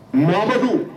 Mɔmadudu